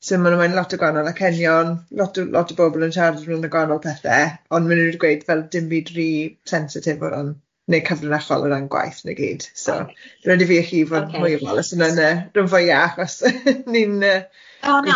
So ma nw moyn lot o gwahanol a acenion, lot o lot o bobl yn siarad amdano gwahanol pethe ond ma' n'w wedi gweud fel dim byd rhy sensitif o ran, neu cyfrinachol o ran gwaith negyd, so raid i fi a chi fod mwy o foddol os yna yy ryw fwya achos ni'n yy gweithio'n agos.